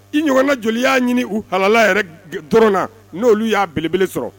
I ɲɔgɔnna joli y'a ɲini u hala yɛrɛ dɔrɔn na n'olu y'a belebele sɔrɔ